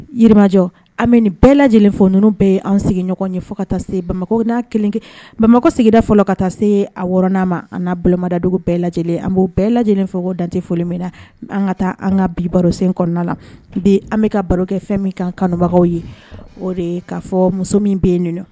Yirimajɔ an bɛ bɛɛ lajɛlen fɔ n ninnu bɛ ye an sigiɲɔgɔn ye fɔ ka taa se bamakɔ kelenkelen bamakɔ sigida fɔlɔ ka taa se a wɔɔrɔn' ma an' bolomadadugu bɛɛ lajɛ lajɛlen an b'o bɛɛ lajɛlenlen fɔ ko dante foli min na an ka taa an ka bi baro sen kɔnɔna na bi an bɛka ka barokɛ fɛn min kan kanubagaw ye o de'a fɔ muso min bɛ yen ninnu